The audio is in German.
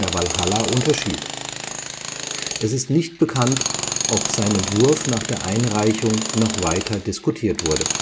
Walhalla unterschied. Es ist nicht bekannt, ob sein Entwurf nach der Einreichung noch weiter diskutiert wurde